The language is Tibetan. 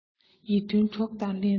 ཡིད མཐུན གྲོགས དང ལྷན ཏུ